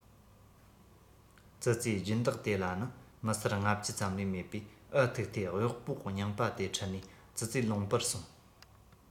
ཙི ཙིའི སྦྱིན བདག དེ ལ ནི མི སེར ལྔ བཅུ ཙམ ལས མེད པས འུ ཐུག སྟེ གཡོག པོ རྙིང པ དེ ཁྲིད ནས ཙི ཙིའི ལུང པར སོང